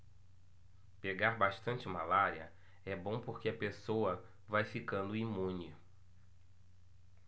pegar bastante malária é bom porque a pessoa vai ficando imune